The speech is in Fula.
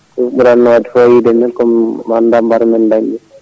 ko ɗum ɓuranno wadde fayida ni kono mi anda mbar men dañ ɗum